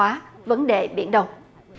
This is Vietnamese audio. hóa vấn đề biển đông